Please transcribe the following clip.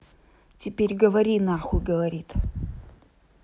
теперь говори нахуй говорит